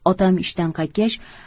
otam ishdan qaytgach